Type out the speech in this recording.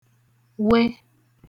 we